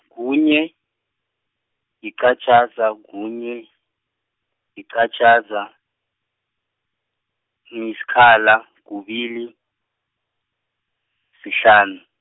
kunye, yiqatjhaza, kunye, yiqatjhaza, yisikhala, kubili, sihlanu.